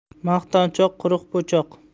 maqtanchoq quruq po'choq